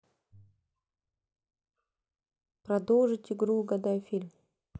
продолжить игру угадай фильм